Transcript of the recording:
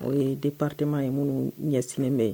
O ye patɛma ye minnu ɲɛsinbɛn